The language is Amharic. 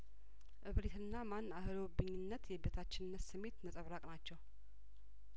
እብሪትና ማን አህሎብኝነት የበታችነት ስሜት ነጸብራቅ ናቸው